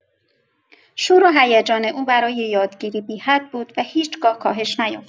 شور و هیجان او برای یادگیری بی‌حد بود و هیچ‌گاه کاهش نیافت.